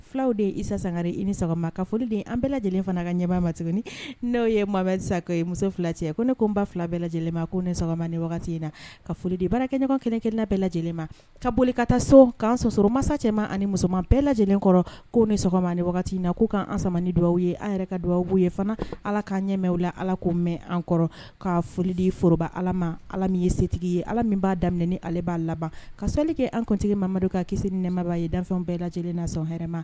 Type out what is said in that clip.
Fulaw de isa sangare i ni sɔgɔma ka foliden an bɛɛ lajɛlen fana ka ɲɛba ma tuguni n'o ye mabɔ sa ye muso fila cɛ ko ne ko n ba fila bɛɛ lajɛlen ma ko ne sɔgɔma ni wagati in na ka foli de baarakɛɲɔgɔn kelenkelenla bɛɛ lajɛlen ma ka boli ka taa so k'an sɔsɔrɔ masa cɛmanma ani musoman bɛɛla lajɛlen kɔrɔ ko ni sɔgɔma ni wagati in na' k kan ansamani dugawuwa aw ye a yɛrɛ ka dugawuwababubu ye fana ala k kaan ɲɛmɛw la ala ko mɛn an kɔrɔ ka foli di forooroba ala ma ala min ye setigi ye ala min b' aa daminɛ ni ale b'a laban ka soli kɛ an kuntigɛ mamamadu ka ki nɛmaba ye dan bɛɛ lajɛlen na hma